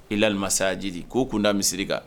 I lalimasayaji k'o kun da misisiriri kan